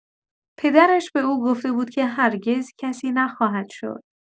پدرش به او گفته بود که هرگز کسی نخواهد شد.